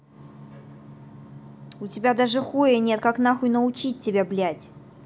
у тебя даже хуя нет как нахуй научить тебя блядь